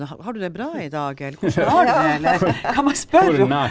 ha har du det bra i dag, eller hvordan har du det, eller hva man spør om?